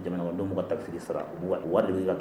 Jamana don ka ta sigi sara u waga de